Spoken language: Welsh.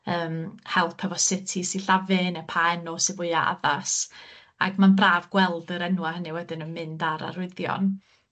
yym help efo sut i sillafu ne' pa enw sy fwya addas ac ma'n braf gweld yr enwa' hynny wedyn yn mynd ar arwyddion.